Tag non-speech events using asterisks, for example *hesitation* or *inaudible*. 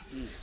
*hesitation*